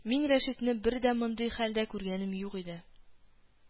Мин Рәшитне бер дә мондый хәлдә күргәнем юк иде